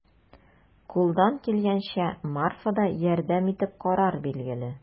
Кулдан килгәнчә Марфа да ярдәм итеп карар, билгеле.